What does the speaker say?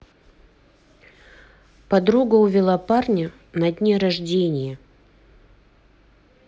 подруга увела парня на дне рождения